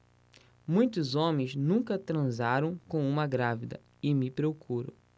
muitos homens nunca transaram com uma grávida e me procuram